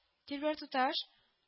Дилбәр туташ